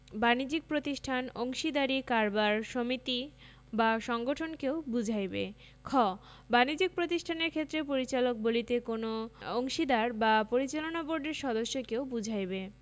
বাণিজ্যিক প্রতিষ্ঠান অংশীদারী কারবার সমিতি বা সংগঠনকেও বুঝাইবে খ বাণিজ্যিক প্রতিষ্ঠানের ক্ষেত্রে পরিচালক বলিতে কোন অংশীদার বা পরিচালনা বোর্ডের সদস্যকেও বুঝাইবে